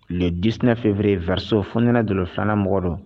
Le 19 février, verseau fɔnnɛnɛ dolo 2 nan mɔgɔ don.